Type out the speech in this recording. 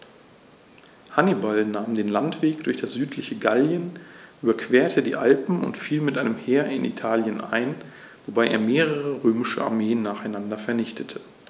Hannibal nahm den Landweg durch das südliche Gallien, überquerte die Alpen und fiel mit einem Heer in Italien ein, wobei er mehrere römische Armeen nacheinander vernichtete.